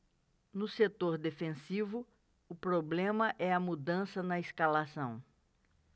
no setor defensivo o problema é a mudança na escalação